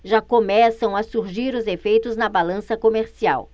já começam a surgir os efeitos na balança comercial